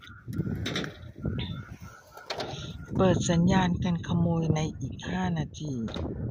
เปิดสัญญาณกันขโมยในอีกห้านาที